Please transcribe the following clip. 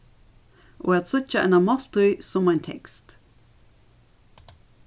og at síggja eina máltíð sum ein tekst